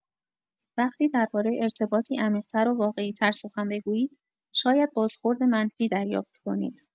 وقتی درباره ارتباطی عمیق‌تر و واقعی‌تر سخن بگویید، شاید بازخورد منفی دریافت کنید.